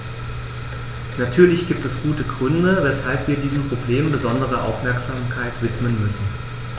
Natürlich gibt es gute Gründe, weshalb wir diesem Problem besondere Aufmerksamkeit widmen müssen.